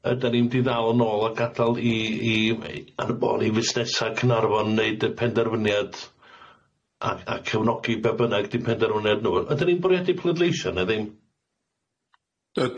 ydan ni'n mynd i ddal nôl a gadal i i yy ar y bôn i fusnesa Caernarfon neud y penderfyniad a a cefnogi be' bynnag di'n penderfyniad n'w ydyn ni'n bwriadu pleidleisho ne' ddim?